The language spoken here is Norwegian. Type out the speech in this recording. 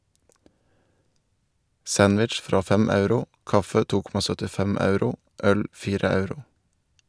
Sandwich fra 5 euro, kaffe 2,75 euro, øl 4 euro.